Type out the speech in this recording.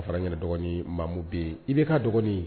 Ka farain dɔgɔnin mamu bɛ i bɛ k ka dɔgɔnin